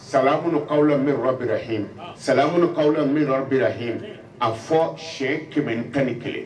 Salamun qawlan min rabbil lamiin, salamun qawlan min rabbil aalaimiina , a fɔ 111